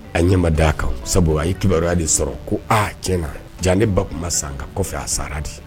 A ɲɛma d'a kan sabu a ye kibaruyaya de sɔrɔ ko aa tiɲɛna jan ne ba tun ma san ka kɔfɛ a sara de